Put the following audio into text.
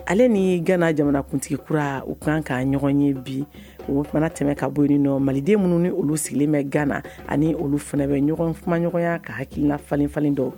Ale ni gana jamanakuntigikura u kan ka ɲɔgɔn ye bi oumana tɛmɛ ka bɔ nɔ maliden minnu ni olu sigilen bɛ gana ani olu fana bɛ ɲɔgɔn kumaɲɔgɔnya ka hakiina falen falen dɔ